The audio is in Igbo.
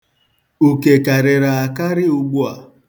Uke karịrị akarị ugbu a.